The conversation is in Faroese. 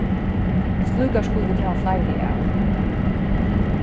slíkar skulu vit hava fleiri av